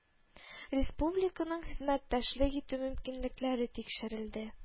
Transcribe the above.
Республиканың хезмәттәшлек итү мөмкинлекләре тикшерелде